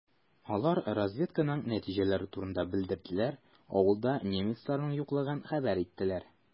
Алар разведканың нәтиҗәләре турында белдерделәр, авылда немецларның юклыгын хәбәр иттеләр.